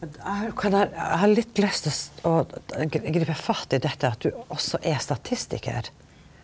eg har kan eg eg har litt lyst å gripe fatt i dette at du også er statistikar.